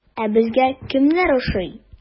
Ә безгә кемнәр ошый?